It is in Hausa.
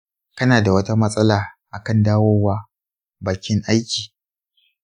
kana da wata matsala akan dawowa bakin aiki?